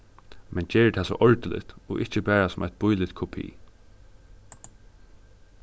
men gerið tað so ordiligt og ikki bara sum eitt bíligt kopi